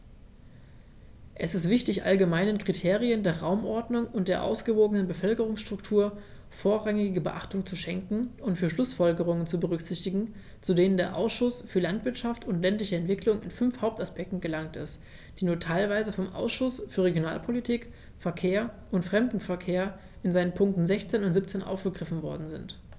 Es ist wichtig, allgemeinen Kriterien der Raumordnung und der ausgewogenen Bevölkerungsstruktur vorrangige Beachtung zu schenken und die Schlußfolgerungen zu berücksichtigen, zu denen der Ausschuss für Landwirtschaft und ländliche Entwicklung in fünf Hauptaspekten gelangt ist, die nur teilweise vom Ausschuss für Regionalpolitik, Verkehr und Fremdenverkehr in seinen Punkten 16 und 17 aufgegriffen worden sind.